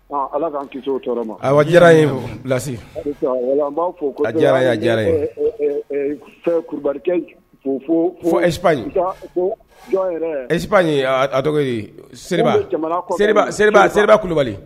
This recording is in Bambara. Diyara ye diyara diyara ye kulubalip ep tɔgɔ se seribaba kulubali